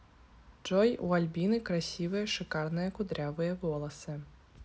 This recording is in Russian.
джой у альбины красивые шикарные кудрявые волосы